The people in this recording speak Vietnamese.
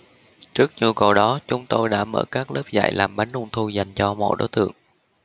trước nhu cầu đó chúng tôi đã mở các lớp dạy làm bánh trung thu dành cho mọi đối tượng